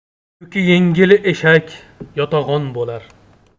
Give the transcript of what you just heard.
yuki yengil eshak yotag'on bo'lar